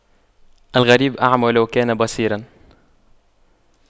الغريب أعمى ولو كان بصيراً